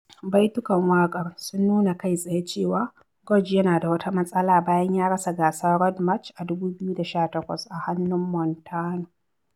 Baitukan waƙar sun nuna kai tsaye cewa George yana da wata matsala bayan ya rasa gasar Road March a 2018 a hannun Montano.